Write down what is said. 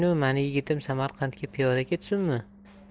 mani yigitim samarqandga piyoda ketsunmi